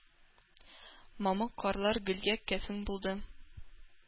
Мамык карлар гөлгә кәфен булды,